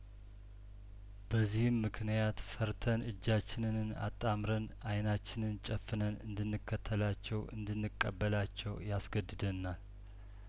በዚህምምክንያት ፈርተን እጃችንን አጣምረን አይናችንን ጨፍነን እንድን ከተላቸው እንድን ቀበላቸው ያስገድደናል